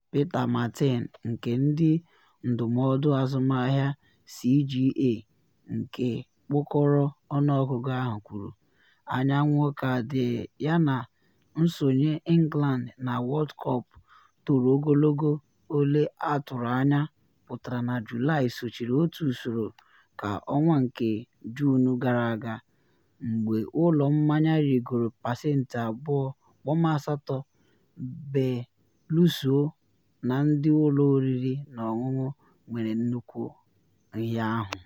Peter Martin, nke ndị ndụmọdụ azụmahịa CGA, nke kpokọrọ ọnụọgụ ahụ, kwuru: “Anyanwụ ka dị yana nsonye England na World Cup toro ogologo ole atụrụ anya pụtara na Julaị sochiri otu usoro ka ọnwa nke Juun gara aga, mgbe ụlọ mmanya rịgoro pasentị 2.8, belụsọ na ndị ụlọ oriri na ọṅụṅụ nwere nnukwu nhịahụ.